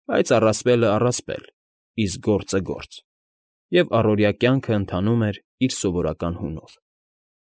Բայց առասպելը՝ առասպել, իսկ գործը՝ գործ, և առօրյա կյանքն ընթանում էր իր սովորական հունով։